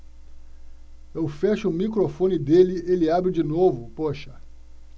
eu fecho o microfone dele ele abre de novo poxa